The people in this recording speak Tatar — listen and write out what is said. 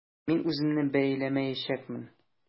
Мин үземне бәяләмәячәкмен.